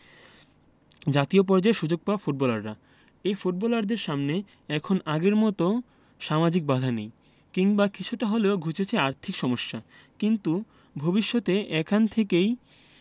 জাতীয় পর্যায়ে সুযোগ পাওয়া ফুটবলাররা এই ফুটবলারদের সামনে এখন আগের মতো সামাজিক বাধা নেই কিংবা কিছুটা হলেও ঘুচেছে আর্থিক সমস্যা কিন্তু ভবিষ্যতে এখান থেকে